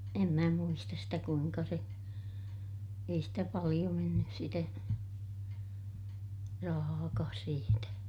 en minä muista sitä kuinka se ei sitä paljon mennyt sitä rahaakaan siitä